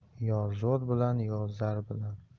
yo zo'r bilan yo zar bilan